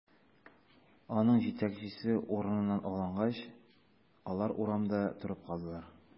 Аның җитәкчесе урыныннан алынгач, алар урамда торып калдылар.